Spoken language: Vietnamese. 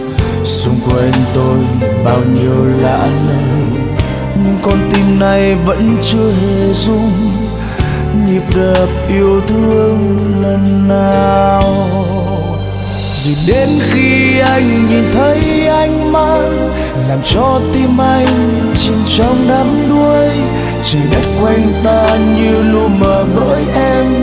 xung quanh tôi bao nhiêu lãng mê nhưng con tim nay vẫn chưa hề rung nhịp đập yêu thương lần nào rồi đến khi anh nhìn thấy ánh mắt làm cho tim anh chìm trong đắm đuối trời đất quanh ta như lu mờ bởi em